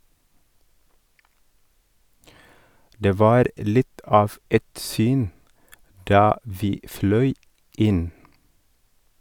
- Det var litt av et syn da vi fløy inn.